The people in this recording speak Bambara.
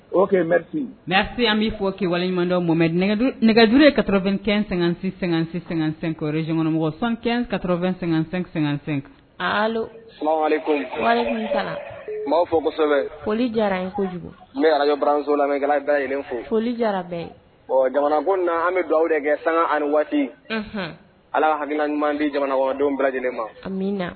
Osi an bɛ fɔ kewaleɲuman mɔn mɛ nɛgɛ nɛgɛjurue karɔfɛnɛn sɛgɛn-sɛ-sɛsɛre zkkɔnɔmɔgɔ sɔn kɛn ka2 sɛgɛn--sɛsɛ maaw fɔ kosɛbɛ foli jara kojugu ne araraso lamɛn daɛlɛn fo foli jara jamana ko na an bɛ bila de kɛ san ani waati ala haina ɲuman di jamanadon bila lajɛlen ma min na